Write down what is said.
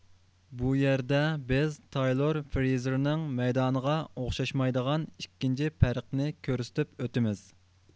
بۇ يەردە بىز تايلورفرېيزېرنىڭ مەيدانىغا ئوخشاشمايدىغان ئىككىنچى پەرقنى كۆرسىتىپ ئۆتىمىز